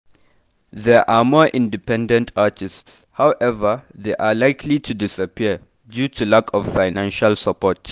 “There are more independent artists, however they are likely to disappear due to lack of financial support.”